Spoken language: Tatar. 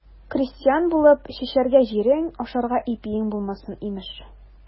Крестьян булып, чәчәргә җирең, ашарга ипиең булмасын, имеш.